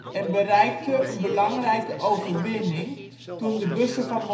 en bereikte een belangrijke overwinning toen de bussen van